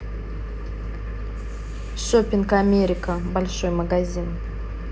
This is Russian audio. shopping америка большой магазин